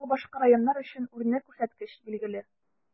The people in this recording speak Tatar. Бу башка районнар өчен үрнәк күрсәткеч, билгеле.